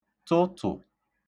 tụtụ̀